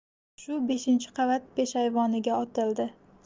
shu beshinchi qavat peshayvoniga otildi